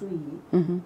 Unhun.